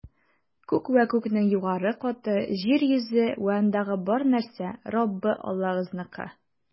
Күк вә күкнең югары каты, җир йөзе вә андагы бар нәрсә - Раббы Аллагызныкы.